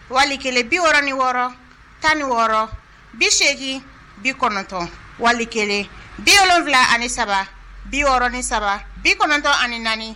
Wali kelen biɔrɔn ni wɔɔrɔ tan ni wɔɔrɔ bi seginegin bi kɔnɔntɔn wali kelen biɔrɔnwula ani saba biɔrɔn ni saba bi kɔnɔntɔn ani naani